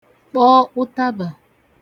kpọ ụtabà